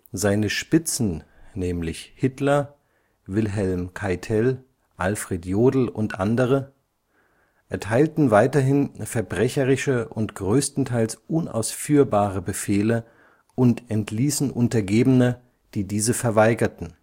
Seine Spitzen (Hitler, Wilhelm Keitel, Alfred Jodl und andere) erteilten weiterhin verbrecherische und großenteils unausführbare Befehle und entließen Untergebene, die diese verweigerten